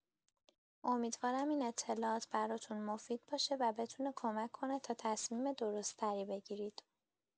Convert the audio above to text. امیدوارم این اطلاعات براتون مفید باشه و بتونه کمک کنه تا تصمیم درست‌تری بگیرید.